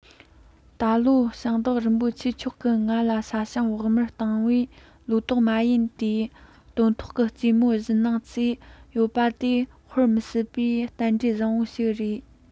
ད ལོ ཞིང བདག རིན པོ ཆེ མཆོག གི ང ལ ས ཞིང བོགས མར བཏང བའི ལོ ཏོག མ ཡིན སྟབས སྟོན ཐོག གི ཙེ མོ བཞེས གནང ཙིས ཡོད པ དེ དཔེ མི སྲིད པའི རྟེན འབྲེལ བཟང པོ ཞིག རེད